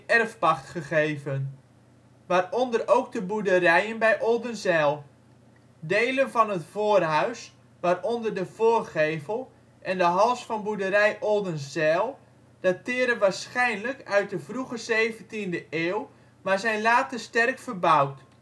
erfpacht gegeven), waaronder ook de boerderijen bij Oldenzijl. Delen van het voorhuis (waaronder de voorgevel) en de hals van boerderij Oldenzijl dateren waarschijnlijk uit de vroege 17e eeuw, maar zijn later sterk verbouwd